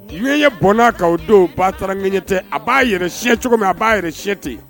Ye bɔnna ka don ba taara ŋ ɲɛ tɛ a b'a yɛrɛ si cogo min a b'a yɛrɛ sɛ ten